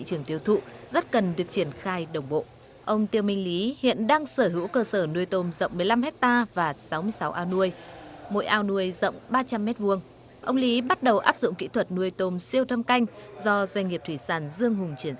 thị trường tiêu thụ dất cần được triển khai đồng bộ ông tiêu minh lý hiện đang sở hữu cơ sở nuôi tôm dộng mười lăm héc ta và sáu mươi sáu ao nuôi mỗi ao nuôi dộng ba trăm mét vuông ông lý bắt đầu áp dụng kỹ thuật nuôi tôm siêu thâm canh do doanh nghiệp thủy sản dương hùng chuyển